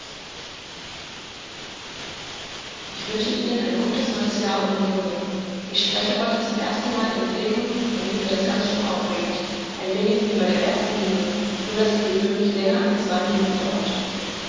Ich wünsche Ihnen ein gutes neues Jahr und Millennium. Ich spreche heute zum ersten Mal im Plenum und finde das ganz schön aufregend, ein wenig wie bei der ersten Liebe, nur dass die gewöhnlich länger als zwei Minuten dauert.